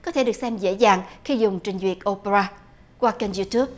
có thể được xem dễ dàng khi dùng trình duyệt o pê ra qua kênh diu túp